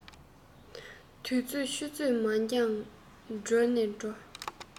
དུས ཚོད ཆུ ཚོད མ འགྱངས གྲོལ ནས འགྲོ